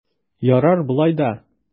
Ярар болай да!